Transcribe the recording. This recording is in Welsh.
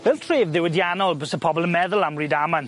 Fel tref ddiwydiannol bysa pobol yn meddwl am Rydaman.